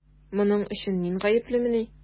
Моның өчен мин гаеплемени?